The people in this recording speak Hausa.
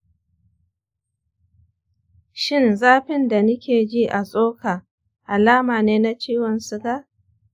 shin zafin da nike ji a tsoka alama ne na ciwon siga?